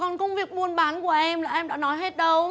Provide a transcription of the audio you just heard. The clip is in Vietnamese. còn công việc buôn bán của em là em đã nói hết đâu